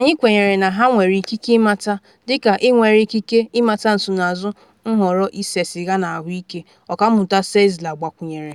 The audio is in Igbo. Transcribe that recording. Mana anyị kwenyere na ha nwere ikike ịmata- dịka inwere ikike ịmata nsonazụ nhọrọ ise siga n’ahụike,’ Ọkammụta Czeisler gbakwunyere.